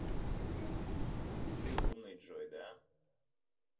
ты умный джой да